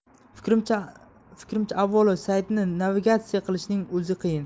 fikrimcha avvalo saytni navigatsiya qilishning o'zi qiyin